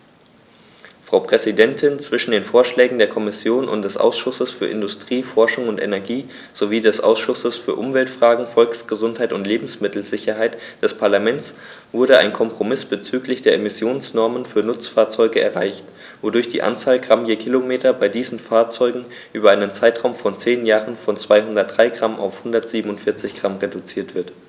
Frau Präsidentin, zwischen den Vorschlägen der Kommission und des Ausschusses für Industrie, Forschung und Energie sowie des Ausschusses für Umweltfragen, Volksgesundheit und Lebensmittelsicherheit des Parlaments wurde ein Kompromiss bezüglich der Emissionsnormen für Nutzfahrzeuge erreicht, wodurch die Anzahl Gramm je Kilometer bei diesen Fahrzeugen über einen Zeitraum von zehn Jahren von 203 g auf 147 g reduziert wird.